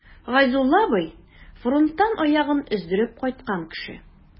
Гайзулла абый— фронттан аягын өздереп кайткан кеше.